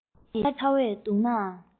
དབྱར གྱི ཚ བས གདུང ནའང